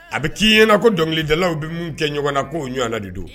A bɛ k'i ɲɛna na ko dɔnkilijalaw bɛ minnu kɛ ɲɔgɔn na k'o ɲɔgɔnwan de don